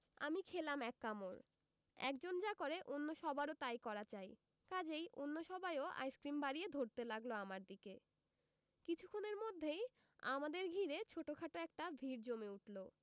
আমি খেলাম এক কামড় একজন যা করে অন্য সবারও তাই করা চাই কাজেই অন্য সবাইও আইসক্রিম বাড়িয়ে ধরতে লাগিল আমার দিকে কিছুক্ষণের মধ্যেই আমাদের ঘিরে ছোটখাট একটা ভিড় জমে উঠল